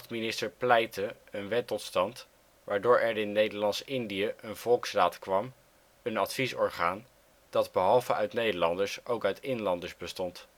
minister Pleyte een wet tot stand waardoor er in Nederlands-Indië een Volksraad kwam, een adviesorgaan dat behalve uit Nederlanders ook uit inlanders bestond